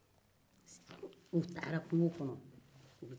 u taara kungo kɔnɔ